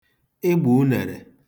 ịgbà unèrè